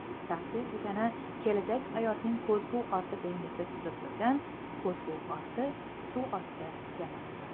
taqdir degani kelajak hayotning ko'zgu orti dengizida suzib yurgan ko'zgu orti suv osti kemasidir